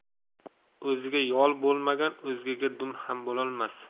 o'ziga yol bo'lmagan o'zgaga dum ham bo'lolmas